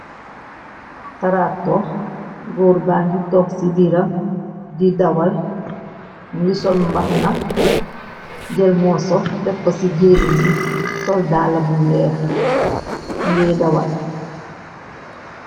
Traktoo góor bangi tog ci biiram di dawal mungi sol mbaxna jel morso def ko ci géemeen bi sol daala bu weex mungiy dawal.